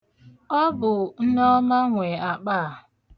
Ọ bụ Nneọma nwe akpa a.